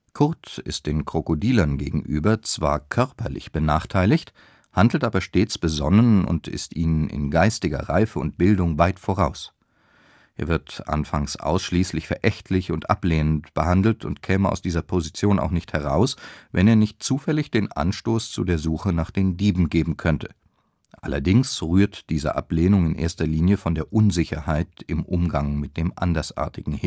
Kurt ist den Krokodilern gegenüber zwar körperlich benachteiligt, handelt aber stets besonnen und ist ihnen in geistiger Reife und Bildung weit voraus. Er wird anfangs ausschließlich verächtlich und ablehnend behandelt und käme aus dieser Position auch nicht heraus, wenn er nicht zufällig den Anstoß zu der Suche nach den Dieben geben könnte. Allerdings rührt diese Ablehnung in erster Linie von der Unsicherheit im Umgang mit dem andersartigen